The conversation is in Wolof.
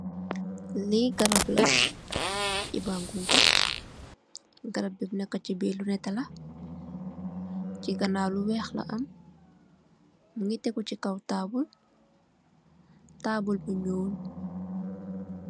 Le garab la reb ba ngun ko.garabi let neka si birr lu nette la si ganow lu weyh la am mugi tekgu si table bu ñuul.